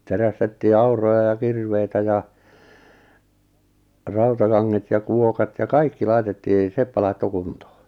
terästettiin auroja ja kirveitä ja rautakanget ja kuokat ja kaikki laitettiin seppä laittoi kuntoon